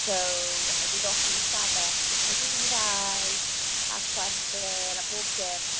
Fel yn mynd off i stafell jyst y nhw ddau a chwerthin a bob dim.